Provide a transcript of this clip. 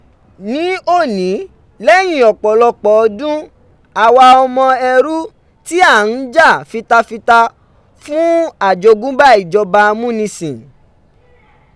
Ní òní, lẹ́yìn ọ̀pọ̀lọpọ̀ ọdún, àwa ọmọ ẹrú tí à ń jà fitafita fún àjogúnbá ìjọba amúnisìn.